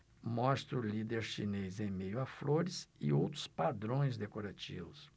mostra o líder chinês em meio a flores e outros padrões decorativos